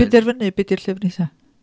penderfynu be 'di'r llyfr nesa?